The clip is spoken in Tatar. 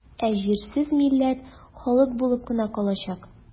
Ә җирсез милләт халык булып кына калачак.